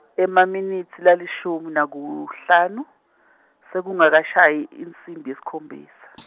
emaminitsi lalishumi nakuhlanu, se kungakashayi insimbi yesikhombisa .